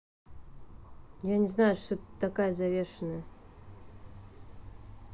я не знаю что ты такая завешенная